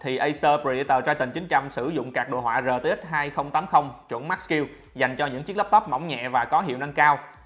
thì acer predator triton sử dụng card đồ họa rtx chuẩn max q dành cho những chiếc laptop mỏng nhẹ và có hiệu năng cao